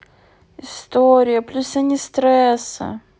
история плюсани стресса